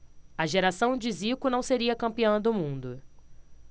a geração de zico não seria campeã do mundo